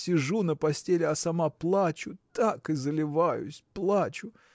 сижу на постели, а сама плачу, так и заливаюсь, плачу.